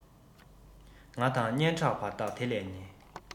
ང དང སྙན གྲགས བར ཐག དེ ལས ཉེ